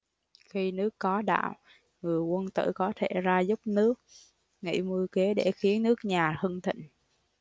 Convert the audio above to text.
khi nước có đạo người quân tử có thể ra giúp nước nghĩ mưu kế để khiến nước nhà hưng thịnh